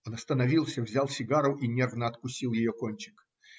- Он остановился, взял сигару и нервно откусил ее кончик.